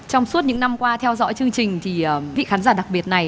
trong suốt những năm qua theo dõi chương trình thì vị khán giả đặc biệt này